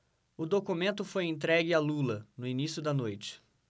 o documento foi entregue a lula no início da noite